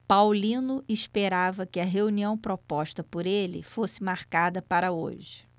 paulino esperava que a reunião proposta por ele fosse marcada para hoje